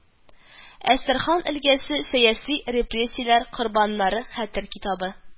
Әстерхан өлкәсе сәяси репрессияләр корбаннары хәтер китабы